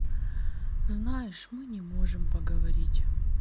знаешь мы не можем поговорить